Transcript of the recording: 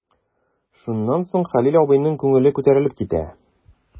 Шуннан соң Хәлил абыйның күңеле күтәрелеп китә.